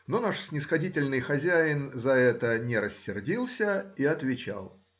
но наш снисходительный хозяин за это не рассердился и отвечал